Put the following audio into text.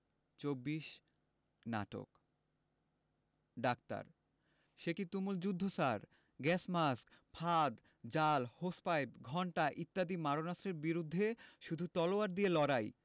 ২৪ নাটক ডাক্তার সেকি তুমুল যুদ্ধ স্যার গ্যাস মাস্ক ফাঁদ জাল হোস পাইপ ঘণ্টা ইত্যাদি মারণাস্ত্রের বিরুদ্ধে শুধু তলোয়ার দিয়ে লড়াই